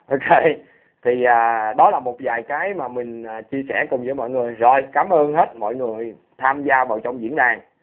ô kê thì đó là một vài cái mà mình chia sẻ cùng với mọi người rồi cám ơn hết mọi người tham gia vào trong diễn đàn